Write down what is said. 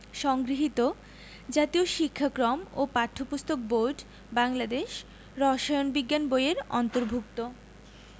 সংগৃহীত জাতীয় শিক্ষাক্রম ও পাঠ্যপুস্তক বোর্ড বাংলাদেশ রসায়ন বিজ্ঞান বই এর অন্তর্ভুক্ত